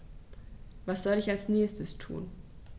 Was soll ich als Nächstes tun?